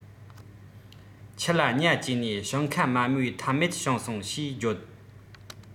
ཁྱི ལ གཉའ བཅས ནས ཞིང ཁ མ རྨོས ཐབས མེད བྱུང སོང ཞེས བརྗོད